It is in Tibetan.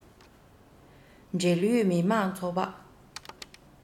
འབྲེལ ཡོད མི དམངས ཚོགས པ